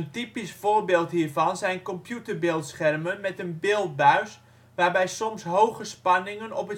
typisch voorbeeld hiervan zijn computerbeeldschermen met een beeldbuis waarbij soms hoge spanningen op